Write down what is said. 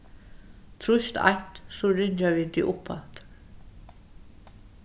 trýst eitt so ringja vit teg uppaftur